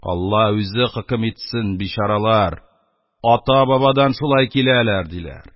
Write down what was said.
Алла үзе хөкем итсен, бичаралар, ата-бабадан шулай киләләр... — диләр.